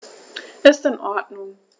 Ist in Ordnung.